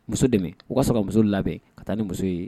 Muso o kaa sɔrɔ muso labɛn ka taa ni muso ye